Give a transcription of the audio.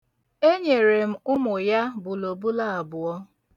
Enyere m ụmụ ya bùlòbulo abụọ.